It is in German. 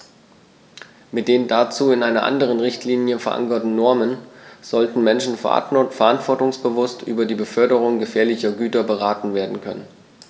Mit den dazu in einer anderen Richtlinie, verankerten Normen sollten Menschen verantwortungsbewusst über die Beförderung gefährlicher Güter beraten werden können.